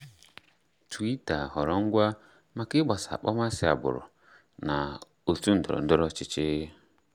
Twitter ghọrọ ngwá maka ịgbasa akpọmasị agbụrụ na òtù ndọrọndọrọ ọchịchị.